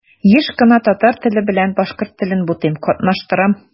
Еш кына татар теле белән башкорт телен бутыйм, катнаштырам.